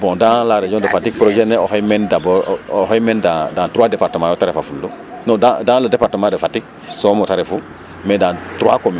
bon dans la région de Fatick projet ne o xey men dans 3 département te refafulu dans dans le département de fatick som o ta refu mais dans 3 commune